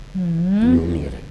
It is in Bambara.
un, ninnu yɛrɛ